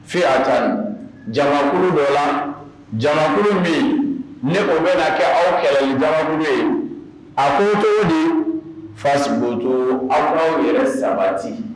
jamankulu dɔ la jamakulu ni o bɛna kɛ aw kɛlɛjamakulu ye a ko cogo di aw k'aw yɛrɛ sabati